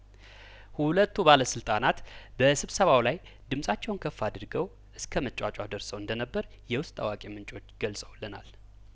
ሁለቱ ባለስልጣናት በስብሰባው ላይ ድምጻቸውን ከፍ አድርገው እስከመጯጫህ ደርሰው እንደነበር የውስጥ አዋቂምንጮች ገልጸውለናል